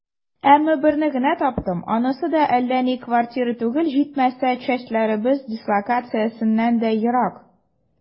Әмма берне генә таптым, анысы да әллә ни квартира түгел, җитмәсә, частьләребез дислокациясеннән дә ерак.